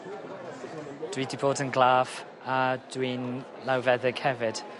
Dwi 'di bod yn glaf a dwi'n lawfeddyg hefyd.